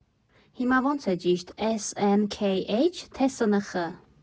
Հիմա ո՞նց է ճիշտ՝ Էս֊Էն֊Քեյ֊Է՞յչ, թե՞ Սնխ։